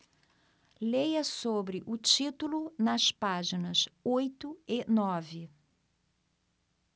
leia sobre o título nas páginas oito e nove